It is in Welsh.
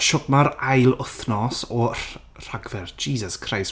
Shwt mae'r ail wythnos o Rh- Rhagfyr Jesus Christ.